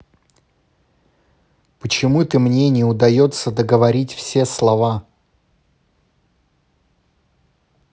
почему ты мне не удается договорить все слова